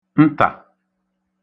ntà